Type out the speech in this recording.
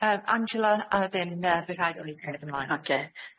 Yym Angela a thyn yy fy rhaid i ni symud 'mlaen.